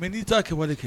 Mɛ n'i' kɛwale kɛ